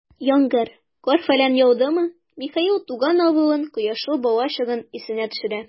Яңгыр, кар-фәлән яудымы, Михаил туган авылын, кояшлы балачагын исенә төшерә.